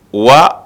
Wa